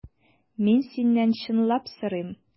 Мин синнән чынлап сорыйм.